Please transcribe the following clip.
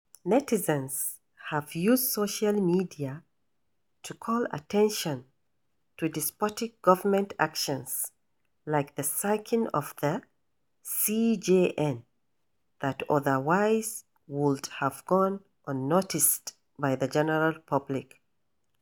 Netizens have used social media to call attention to despotic government actions like the sacking of the CJN, that otherwise would have gone unnoticed by the general public.